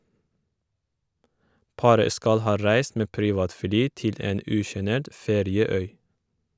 Paret skal ha reist med privatfly til en usjenert ferieøy.